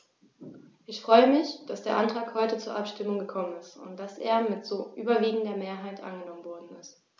Ich freue mich, dass der Antrag heute zur Abstimmung gekommen ist und dass er mit so überwiegender Mehrheit angenommen worden ist.